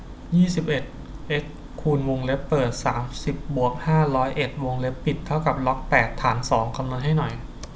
ยี่สิบเอ็ดเอ็กซ์คูณวงเล็บเปิดสามสิบบวกห้าร้อยเอ็ดวงเล็บปิดเท่ากับล็อกแปดฐานสองคำนวณให้หน่อย